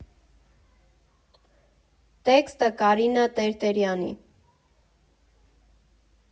Տեքստը՝ Կարինա Տերտերյանի։